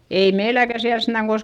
ei meilläkään siellä sentään